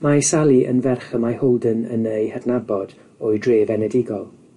Mae Sally yn ferch y mae Holden yn eu hadnabod o'i dref enedigol.